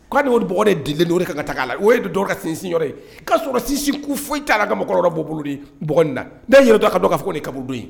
K'ale o b de don kan ka taa'a la o de dɔw ka sinsin ka sɔrɔ sinsin foyi' la ka mɔgɔ bɔ bolo ne yɛrɛ dɔ ka ka fɔ kab don